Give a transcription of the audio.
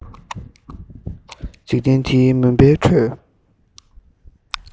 འཇིག རྟེན འདིའི མུན པའི ཁྲོད